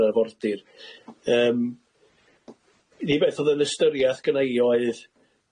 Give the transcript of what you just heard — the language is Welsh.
yr afordir yym, 'r unig beth o'dd yn ystyriaeth gynna i oedd